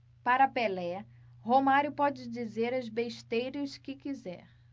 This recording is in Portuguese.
para pelé romário pode dizer as besteiras que quiser